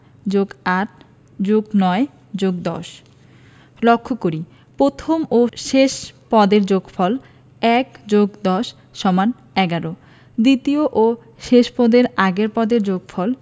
+৮+৯+১০ লক্ষ করি প্রথম ও শেষ পদের যোগফল ১+১০=১১ দ্বিতীয় ও শেষ পদের আগের পদের যোগফল